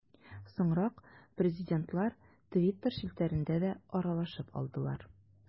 Соңрак президентлар Twitter челтәрендә дә аралашып алдылар.